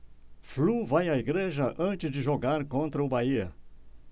flu vai à igreja antes de jogar contra o bahia